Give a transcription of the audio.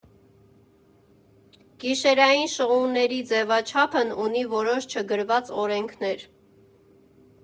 Գիշերային շոուների ձևաչափն ունի որոշ չգրված օրենքներ։